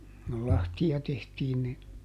kun lahtia tehtiin niin